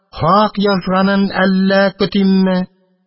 Хак язганын әллә көтимме?